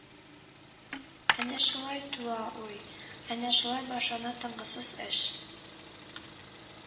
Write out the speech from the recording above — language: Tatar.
Әнә шулай туа уй, әнә шулай башлана тынгысыз эш